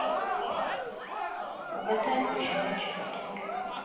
угадай ка щенячий патруль